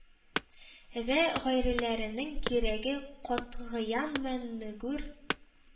Вә гайреләренең кирәге катгыян мәннегур“